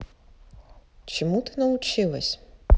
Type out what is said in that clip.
чему ты научилась